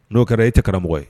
N'o kɛra e tɛ karamɔgɔmɔgɔ ye